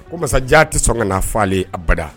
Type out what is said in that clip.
Ko masajan tɛ sɔn ka fɔ a bada